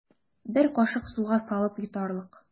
Бер кашык суга салып йотарлык.